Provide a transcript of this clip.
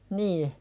niin